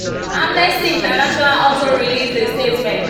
Amnesty International also released a statement